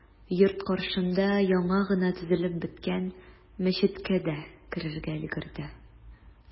Йорт каршында яңа гына төзелеп беткән мәчеткә дә керергә өлгерде.